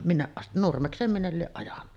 minne - Nurmekseen minne lie ajanut